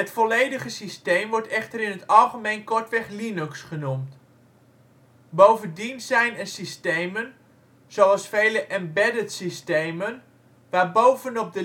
volledige systeem wordt echter in het algemeen kortweg Linux genoemd. Bovendien zijn er systemen (zoals vele embedded systemen) waar bovenop